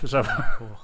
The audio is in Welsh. Fysa? ... Coch